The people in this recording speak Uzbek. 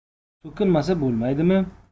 so'kinmasa bo'lmaydimi